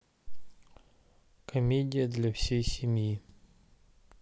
комедия для всей семьи